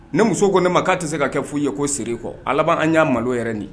Ne muso ko ne ma k'a tɛ se ka kɛ k' ye ko seere kɔ ala an y'a malo yɛrɛ nin